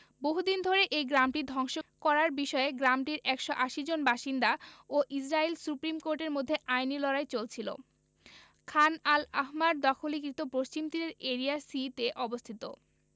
বহুদিন ধরে এই গ্রামটি ধ্বংস করার বিষয়ে গ্রামটির ১৮০ জন বাসিন্দা ও ইসরাইলি সুপ্রিম কোর্টের মধ্যে আইনি লড়াই চলছিল খান আল আহমার দখলীকৃত পশ্চিম তীরের এরিয়া সি তে অবস্থিত